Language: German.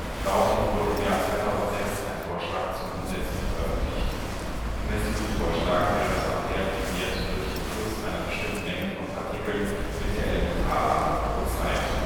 Daraufhin wurde im Jahr 2006 ein Vorschlag zur Umsetzung veröffentlicht. Gemäß diesem Vorschlag wäre das Ampere definiert durch den Fluss einer bestimmten Menge von Partikeln mit der Elementarladung pro Zeit